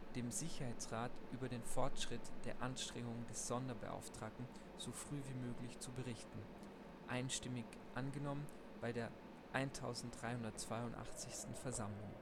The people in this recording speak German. dem Sicherheitsrat über den Fortschritt der Anstrengungen des Sonderbeauftragten so früh wie möglich zu berichten. Einstimmig angenommen bei der 1382. Versammlung